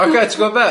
Ocê ti'n gwbo be?